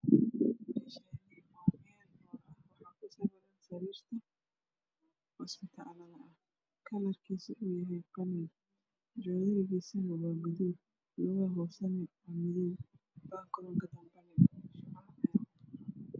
Meeshaan waa meel boor ah waxaa kusawiran sariir isbitaal kalarkiisu waa qalin joodarigiisu waa gaduud lugaha hoosana waa madow. Bagaroonka dambe waa cadaan.